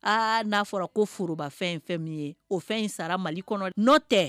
Aa n'a fɔra ko forobafɛn ye fɛn min o fɛn in sara Mali kɔnɔ; n'o tɛ